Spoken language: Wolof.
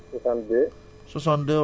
62